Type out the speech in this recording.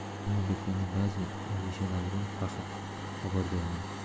ammo beklarning bazi andeshalaridan faqir xabardormen